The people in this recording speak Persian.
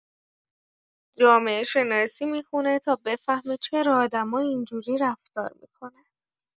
جامعه‌شناسی می‌خونه تا بفهمه چرا آدما اینجوری رفتار می‌کنن.